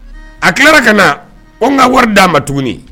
A tila la ka na o na na wari d'a ma tuguni.